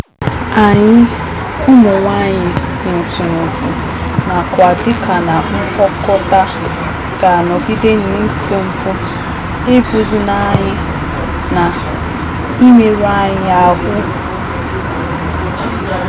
Anyị, ụmụ nwaanyị n'otu n'otu, nakwa dịka na mkpokọta, ga-anọgide n'iti mkpu "egbuzina anyị" na "imerụ anyị ahụ".